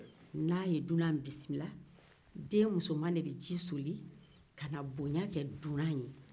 n'a ye dunan bisimila den musoman de bɛ ji soli ka na bonya ke dunan ye